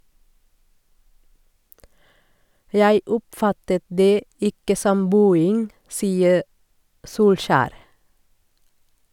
- Jeg oppfattet det ikke som buing, sier Solskjær.